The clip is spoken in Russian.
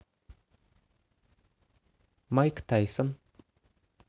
майк тайсон